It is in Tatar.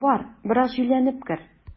Бар, бераз җилләнеп кер.